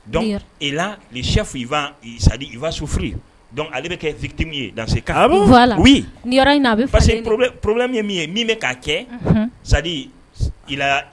Et la, le chef , il va, c'a dire, il va souffrir, donc ale bɛ kɛ victime _ ye, dans ce cas, ah, bon, voila, oui, nin yɔrɔ in na dans ce cas c'est à diremin bɛ k'a kɛ c'à dire